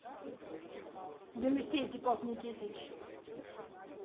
елисей типов никитич